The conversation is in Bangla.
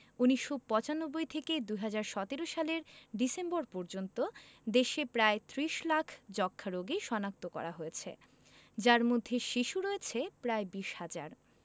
১৯৯৫ থেকে ২০১৭ সালের ডিসেম্বর পর্যন্ত দেশে প্রায় ৩০ লাখ যক্ষ্মা রোগী শনাক্ত করা হয়েছে যার মধ্যে শিশু রয়েছে প্রায় ২০ হাজার